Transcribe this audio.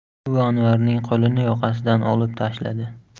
u anvarning qo'lini yoqasidan olib tashladi